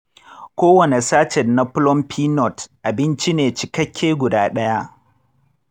kowanne sachet na plumpy nut abinci ne cikakke guda ɗaya.